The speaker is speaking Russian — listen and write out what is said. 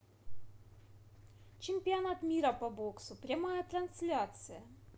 чемпионат мира по боксу прямая трансляция